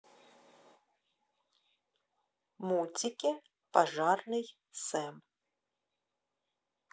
мультики пожарный сэм